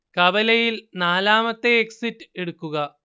കവലയിൽ നാലാമത്തെ എക്സിറ്റ് എടുക്കുക